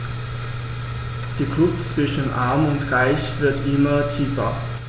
Die Kluft zwischen Arm und Reich wird immer tiefer.